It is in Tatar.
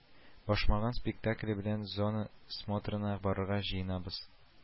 Башмагым спектакле белән зона смотрына барырга җыенабыз